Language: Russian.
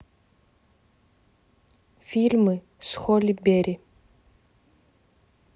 фильмы с холли бери